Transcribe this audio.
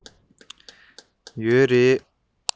ཡོད རེད